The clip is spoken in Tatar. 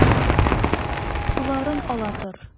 Боларын ала тор.